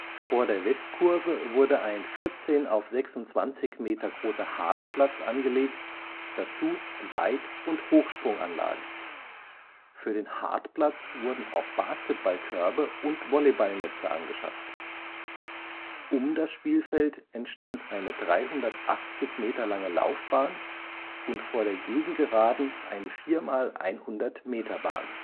Vor der Westkurve wurde ein 14 auf 26 Meter großer Hartplatz angelegt, dazu Weit - und Hochsprunganlagen. Für den Hartplatz wurden auch Basketballkörbe und Volleyballnetze angeschafft. Um das Spielfeld entstand eine 380 Meter lange Laufbahn und vor der Gegengeraden eine 4-mal-100-Meter-Bahn